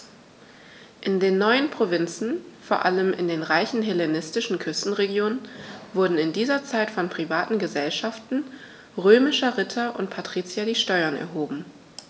In den neuen Provinzen, vor allem in den reichen hellenistischen Küstenregionen, wurden in dieser Zeit von privaten „Gesellschaften“ römischer Ritter und Patrizier die Steuern erhoben.